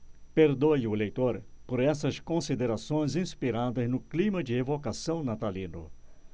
perdoe o leitor por essas considerações inspiradas no clima de evocação natalino